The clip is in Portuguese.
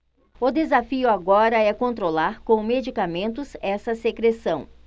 o desafio agora é controlar com medicamentos essa secreção